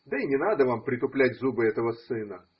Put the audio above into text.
Да и не надо вам притуплять зубы этого сына.